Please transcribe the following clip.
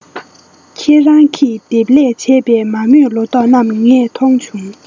ཁྱེད རང གིས འདེབས ལས བྱས པའི མ རྨོས ལོ ཏོག རྣམས ངས མཐོང བྱུང